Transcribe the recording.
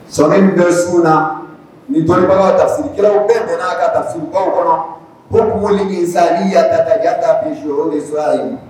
Sɔ min bɛ sun na ni jɔnba ka ta siri kira bɛɛ donna a ka taa siriɔn kɔnɔ ko boli bi sa' ya ta taa ja ta bi de su